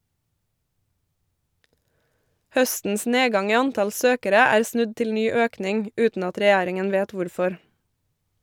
Høstens nedgang i antall søkere er snudd til ny økning , uten at regjeringen vet hvorfor.